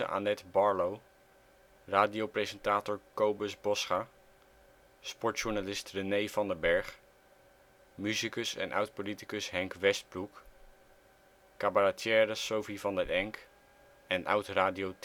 Annette Barlo, radiopresentator Cobus Bosscha, sportjournalist René van den Berg, musicus en oud-politicus Henk Westbroek, cabaretière Sofie van den Enk en oud-Radio